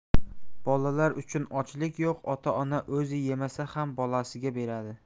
bolalar uchun ochlik yo'q ota ona o'zi yemasa ham bolasiga beradi